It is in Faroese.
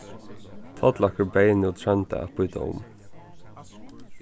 tollakur beyð nú trónda at býta um